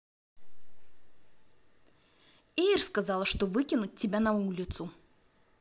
air сказала что выкинуть тебя на улицу